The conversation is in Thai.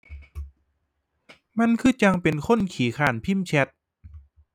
มันคือจั่งเป็นคนขี้คร้านพิมพ์แชต